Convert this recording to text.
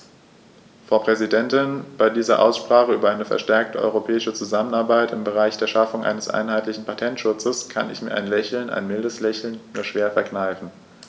Frau Präsidentin, bei dieser Aussprache über eine verstärkte europäische Zusammenarbeit im Bereich der Schaffung eines einheitlichen Patentschutzes kann ich mir ein Lächeln - ein mildes Lächeln - nur schwer verkneifen.